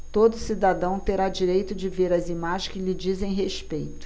todo cidadão terá direito de ver as imagens que lhe dizem respeito